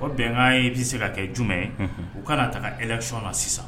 o bɛnkan ye bɛ se ka kɛ jumɛn u ka na taa eti na sisan